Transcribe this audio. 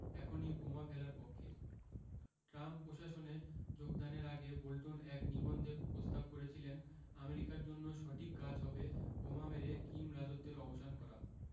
এখনই বোমা ফেলার পক্ষে ট্রাম্প প্রশাসনে যোগদানের আগে বোল্টন এক নিবন্ধে প্রস্তাব করেছিলেন আমেরিকার জন্য সঠিক কাজ হবে বোমা মেরে কিম রাজত্বের অবসান করা